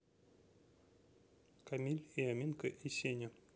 камиль и аминка и сеня